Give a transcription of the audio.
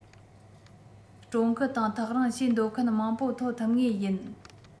གྲོང ཁུལ དང ཐག རིང བྱེད འདོད མཁན མང པོ ཐོན ཐུབ ངེས ཡིན